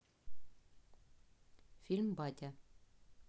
фильм батя